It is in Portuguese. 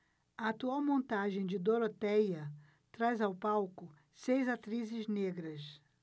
a atual montagem de dorotéia traz ao palco seis atrizes negras